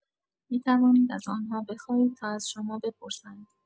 می‌توانید از آن‌ها بخواهید تا از شما بپرسند.